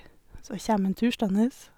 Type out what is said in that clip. Så kjem han tuslende.